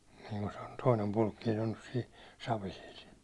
niin kuin se on toinen Pulkkinen on nyt siinä Savisilla